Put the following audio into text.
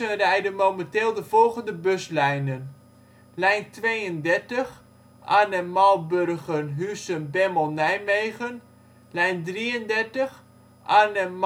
rijden momenteel de volgende buslijnen: Lijn 32: Arnhem - Malburgen/Immerloo - Huissen - Bemmel - Nijmegen Lijn 33: Arnhem - Malburgen/Immerloo